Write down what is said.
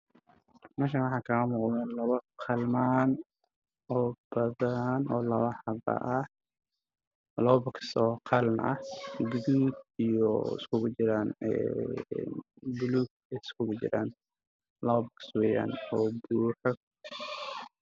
Meshan waa dhalo ah ku jiraan qalimaan gaduud ah